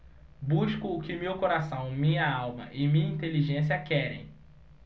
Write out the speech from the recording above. busco o que meu coração minha alma e minha inteligência querem